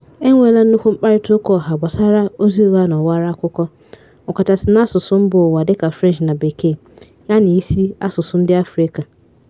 E nweela nnukwu mkparịtaụka ọha gbasara ozi ụgha n'ọwara akụkọ, ọkachasị n'asụsụ mbaụwa dịka French na Bekee, ya na isi asụsụ ndị Afrịka.